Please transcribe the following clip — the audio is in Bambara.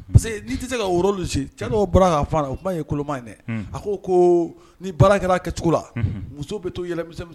Parce que n'i tɛ se ka worolusi cɛ n'o bara k' fana o kuma ye koloma in dɛ a ko ko ni kɛra kɛcogo la muso bɛ to yɛlɛ